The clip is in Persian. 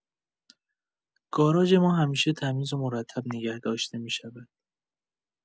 گاراژ ما همیشه تمیز و مرتب نگه داشته می‌شود.